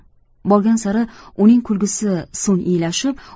borgan sari uning kulgisi suniylashib